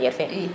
i